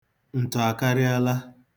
Ntọ akarịala.